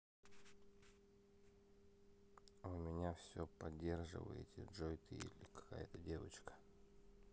у меня все поддерживаете джой ты и какая то девочка